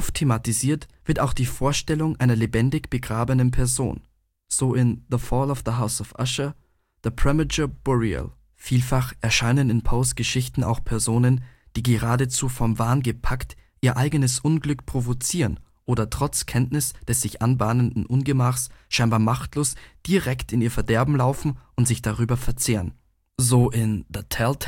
thematisiert wird auch die Vorstellung einer lebendig begrabenen Person (The Fall of the House of Usher, The Premature Burial). Vielfach erscheinen in Poes Geschichten auch Personen, die geradezu vom „ Wahn “gepackt ihr eigenes Unglück provozieren oder trotz Kenntnis des sich anbahnenden Ungemachs scheinbar machtlos direkt in ihr Verderben laufen und sich darüber verzehren (The Tell-Tale Heart